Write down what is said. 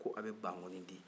ko a bɛ bankɔni di